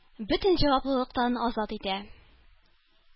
Бөтен җаваплылыктан азат итә.